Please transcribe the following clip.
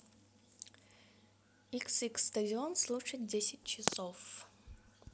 xx стадион слушать десять часов